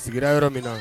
Sigira yɔrɔmin na